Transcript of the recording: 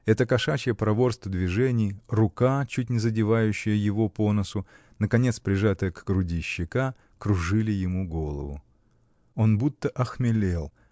Это кошачье проворство движений, рука, чуть не задевающая его по носу, наконец, прижатая к груди щека кружили ему голову. Он будто охмелел.